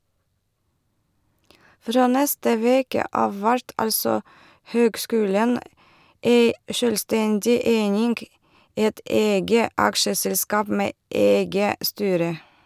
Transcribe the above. Frå neste veke av vert altså høgskulen ei sjølvstendig eining , eit eige aksjeselskap med eige styre.